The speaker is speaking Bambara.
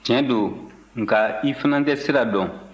tiɲɛ don nka i fana tɛ sira dɔn